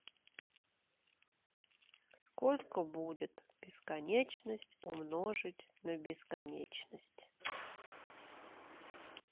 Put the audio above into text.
сколько будет бесконечность умножить на бесконечность